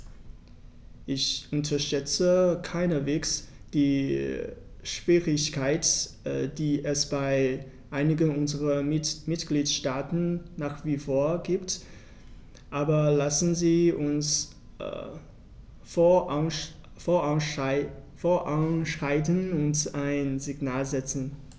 Ich unterschätze keineswegs die Schwierigkeiten, die es bei einigen unserer Mitgliedstaaten nach wie vor gibt, aber lassen Sie uns voranschreiten und ein Signal setzen.